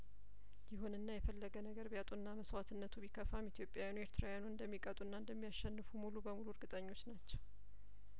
ይሁንና የፈለገ ነገር ቢያጡና መስዋእትነቱ ቢከፋም ኢትዮጵያውያኑ ኤርትራውያኑን እንደሚቀጡና እንደሚያሸንፉ ሙሉ በሙሉ እርግጠኞች ናቸው